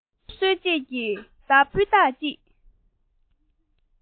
བྱིའུ གསོད བྱེད ཀྱི མདའ སྤུས དག ཅིག